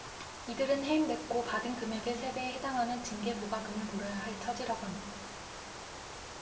이들은 해임됐고 받은 금액의 세 배에 해당하는 징계부과금을 물어야 할 처지라고 한다